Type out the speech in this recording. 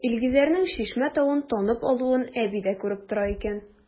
Илгизәрнең Чишмә тавын танып алуын әби дә күреп тора икән.